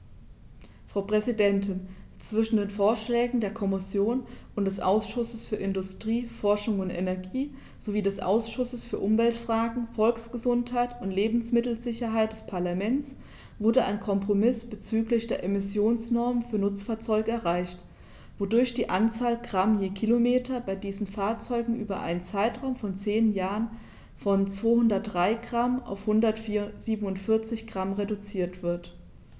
Frau Präsidentin, zwischen den Vorschlägen der Kommission und des Ausschusses für Industrie, Forschung und Energie sowie des Ausschusses für Umweltfragen, Volksgesundheit und Lebensmittelsicherheit des Parlaments wurde ein Kompromiss bezüglich der Emissionsnormen für Nutzfahrzeuge erreicht, wodurch die Anzahl Gramm je Kilometer bei diesen Fahrzeugen über einen Zeitraum von zehn Jahren von 203 g auf 147 g reduziert wird.